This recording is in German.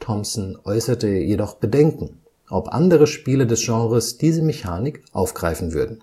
Thomsen äußerte jedoch Bedenken, ob andere Spiele des Genres diese Mechanik aufgreifen würden